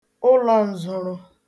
ụlọnzoro